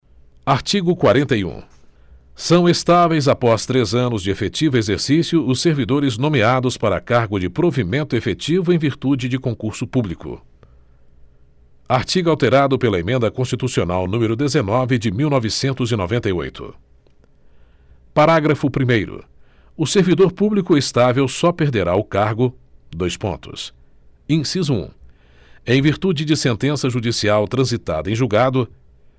artigo quarenta e um são estáveis após três anos de efetivo exercício os servidores nomeados para cargo de provimento efetivo em virtude de concurso público artigo alterado pela emenda constitucional número dezenove de mil novecentos e noventa e oito parágrafo primeiro o servidor público estável só perderá o cargo dois pontos inciso um em virtude de sentença judicial transitada em julgado